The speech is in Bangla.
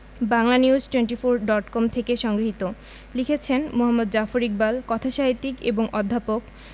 বাংলানিউজ টোয়েন্টিফোর ডট কম থেকে সংগৃহীত লিখেছেন মুহাম্মদ জাফর ইকবাল কথাসাহিত্যিক এবং অধ্যাপক